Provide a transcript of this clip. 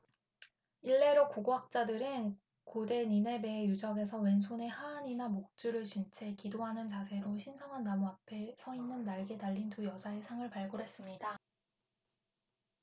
일례로 고고학자들은 고대 니네베의 유적에서 왼 손 에 화환이나 묵주를 쥔 채 기도하는 자세로 신성한 나무 앞에 서 있는 날개 달린 두 여자의 상을 발굴했습니다